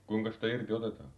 kuinkas sitä irti otetaan